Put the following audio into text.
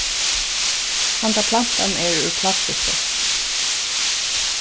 handan plantan er úr plastikki